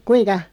kuinka